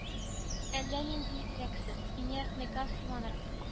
Әллә ниндирәк сез инертный газ сыманрак